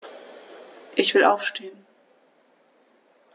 Ich will aufstehen.